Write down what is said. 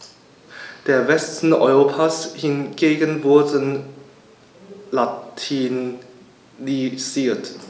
Der Westen Europas hingegen wurde latinisiert.